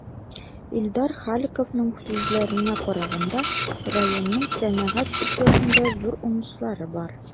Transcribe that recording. Илдар Халиковның сүзләренә караганда, районның сәнәгать өлкәсендә зур уңышлары бар.